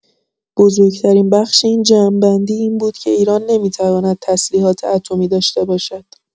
بزرگ‌ترین بخش این جمع‌بندی این بود که ایران نمی‌تواند تسلیحات اتمی داشته باشد.